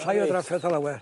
Llai o drafferth o lawer.